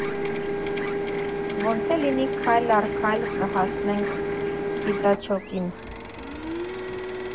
Ոնց էլ լինի՝ քայլ առ քայլ կհասնեք «Պիտաչոկին»։